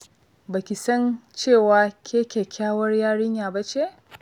Ba ki san cewa ke kyakkyawar yarinya ba ce?